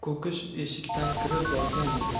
ko'kish eshikdan kirib borgan edi